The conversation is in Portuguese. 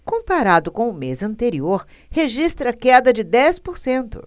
comparado com o mês anterior registra queda de dez por cento